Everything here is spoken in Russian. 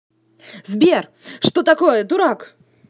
сбер что такое дурак